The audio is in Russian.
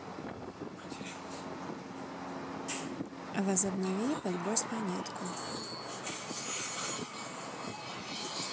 возобнови и подбрось монетку